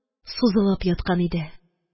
Сузылып яткан иде